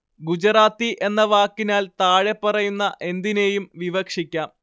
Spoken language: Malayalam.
ഗുജറാത്തി എന്ന വാക്കിനാല്‍ താഴെപ്പറയുന്ന എന്തിനേയും വിവക്ഷിക്കാം